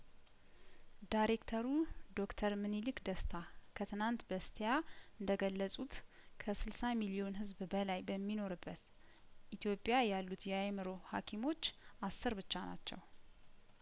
ዳይሬክተሩ ዶክተርም ኒክ ደስታ ከትናንት በስቲያ እንደ ገለጹት ከስልሳ ሚልዮን ህዝብ በላይ በሚኖርበት ኢትዮጵያ ያሉት የአእምሮ ሀኪሞች አስር ብቻ ናቸው